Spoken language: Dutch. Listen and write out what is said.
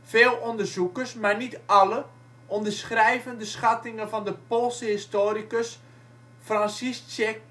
Veel onderzoekers (maar niet alle) onderschrijven de schattingen van de Poolse historicus Franciszek